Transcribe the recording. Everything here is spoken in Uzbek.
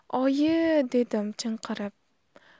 oyi i i dedim chinqirib